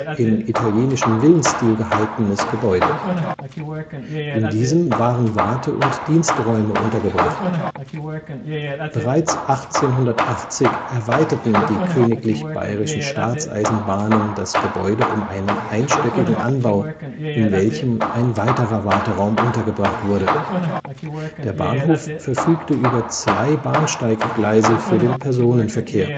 im italienischen Villenstil gehaltenes Gebäude. In diesem waren Warte - und Diensträume untergebracht. Bereits 1880 erweiterten die Königlich Bayerischen Staatseisenbahnen das Gebäude um einen einstöckigen Anbau, in welchem ein weiterer Warteraum untergebracht wurde. Der Bahnhof verfügte über zwei Bahnsteiggleise für den Personenverkehr